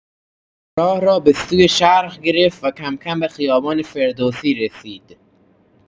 راه را به سوی شرق گرفت و کم‌کم به خیابان فردوسی رسید.